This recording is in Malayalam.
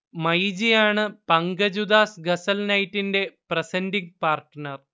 മൈജിയാണ് പങ്കജ് ഉധാസ് ഗസൽ നൈറ്റിന്റെ പ്രസന്റിംഗ് പാർട്ണർ